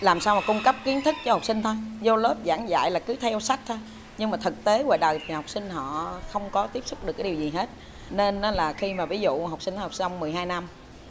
làm sao mà cung cấp kiến thức cho học sinh thôi dô lớp giảng dạy là cứ theo sách thôi nhưng mà thực tế ngoài đời thì học sinh họ không có tiếp xúc được cái điều gì hết nên là khi mà ví dụ học sinh nó học xong mười hai năm